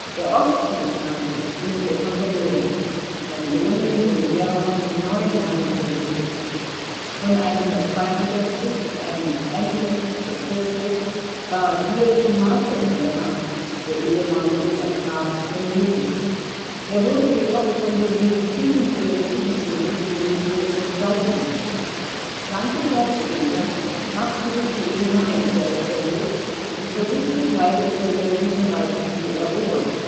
Der Osten des Reiches ging für immer verloren. Babylonien wurde mehrmals von neuen Herren regiert. Von 162 bis 161 v. Chr. war hier Timarchos an der Macht, der ehemalige Satrap von Medien. Er wurde jedoch von dem legitimen Seleukidenkönig Demetrios II. besiegt. Zwanzig Jahre später machte sich die Elymais selbständig und versuchte Teile des Seleukidenreiches zu erobern